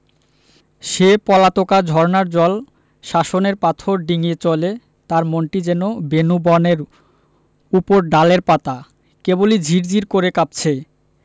সে পলাতকা ঝরনার জল শাসনের পাথর ডিঙ্গিয়ে চলে তার মনটি যেন বেনূবনের উপরডালের পাতা কেবলি ঝির ঝির করে কাঁপছে